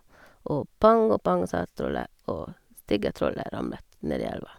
Og pang og pang sa trollet, og det stygge trollet ramlet nedi elva.